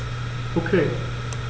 Okay.